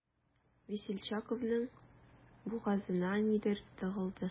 Весельчаковның бугазына нидер тыгылды.